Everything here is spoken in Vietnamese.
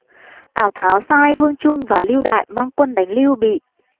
tào tháo sai vương trung và lưu đại mang quân đánh lưu bị